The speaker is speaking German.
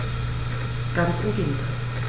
Ganz im Gegenteil.